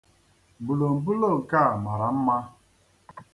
Bùlòbulo nke a mara mma.